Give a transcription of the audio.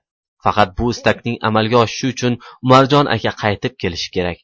faqat bu istakning amalga oshishi uchun umarjon aka qaytib kelishi kerak